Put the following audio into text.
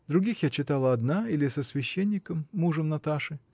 Других я читала одна или со священником, мужем Наташи.